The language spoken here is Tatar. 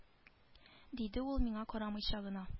Диде ул миңа карамыйча гына